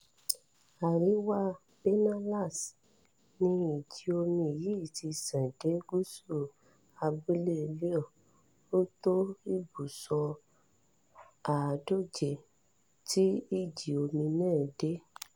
Àríwá Pinellas ni ìjì omi yìí ti sàn dé gúsù abúlé Lee. Ó tó ibùsọ̀ 130 tí ìjì omi naà deé.